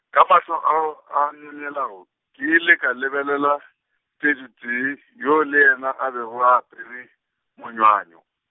ka mahlo ao, a myemyelago, ke ile ka lebelela, Teduetee, yoo le yena a bego a apere, monywanyo.